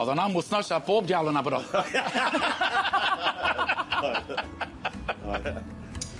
O'dd o 'na am wthnos a bob diawl yn nabod o. Oedd. Oedd.